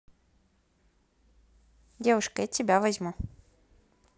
девушка я тебя возьму